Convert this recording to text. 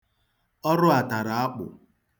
Ọrụ a tara akpụ.